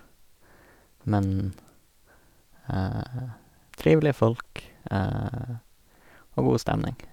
Men trivelige folk og god stemning.